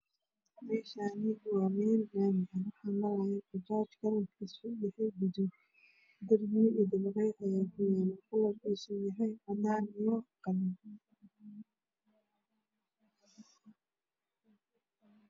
Meshani waa meel laami ah waxa marayo bajaaj kalarkeedo uuw yahay gaduud dirbiga io dabaqyo ayaa ku yaalo kalarkiso yahay cadan io qalin